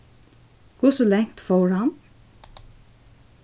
hvussu langt fór hann